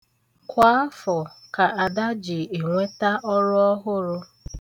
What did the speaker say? Kwa afọ ka Ada ji enweta ọrụ ọhụrụ